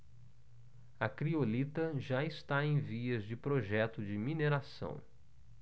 a criolita já está em vias de projeto de mineração